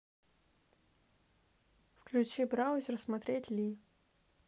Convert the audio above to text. включи браузер смотреть ли